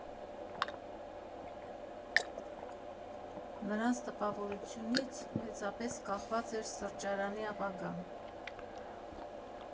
Նրանց տպավորությունից մեծապես կախված էր սրճարանի ապագան։